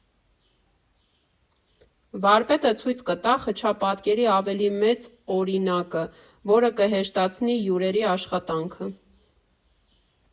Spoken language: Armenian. Վարպետը ցույց կտա խճապատկերի ավելի մեծ օրինակը, որը կհեշտացնի հյուրերի աշխատանքը։